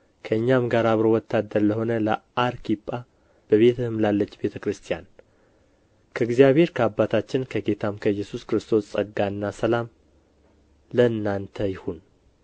ከእኛም ጋር አብሮ ወታደር ለሆነ ለአርክጳ በቤትህም ላለች ቤተ ክርስቲያን ከእግዚአብሔር ከአባታችን ከጌታም ከኢየሱስ ክርስቶስ ጸጋና ሰላም ለእናንተ ይሁን